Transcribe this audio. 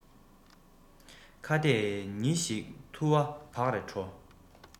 ཁྭ ཏས ཉི ཤིག འཐུ བ བག རེ དྲོ